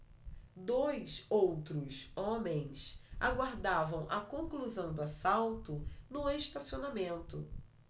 dois outros homens aguardavam a conclusão do assalto no estacionamento